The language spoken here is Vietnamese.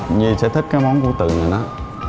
nhi sẽ thích cái món củ từ này đó